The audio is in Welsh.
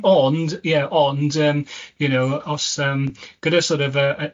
Ond ie, ond yym, you know, os yym, gyda sor' of yy yy